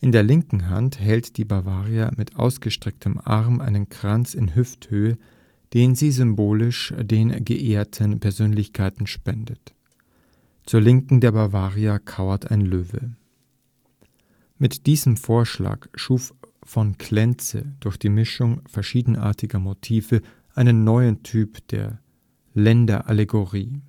der linken Hand hält die Bavaria mit ausgestrecktem Arm einen Kranz auf Hüfthöhe, den sie symbolisch den geehrten Persönlichkeiten spendet. Zur linken der Bavaria kauert ein Löwe. Mit diesem Vorschlag schuf v. Klenze durch die Mischung verschiedener Motive einen neuen Typ der Länderallegorie